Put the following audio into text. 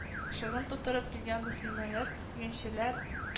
Шыгрым тутырып килгән мөслимәләр, игенчеләр